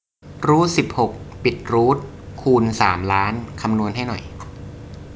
รูทสิบหกปิดรูทคูณสามล้านคำนวณให้หน่อย